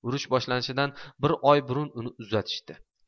urush boshlanishidan bir oy burun uni uzatishdi